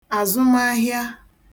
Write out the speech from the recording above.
àzụmahịa